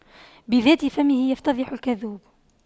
بذات فمه يفتضح الكذوب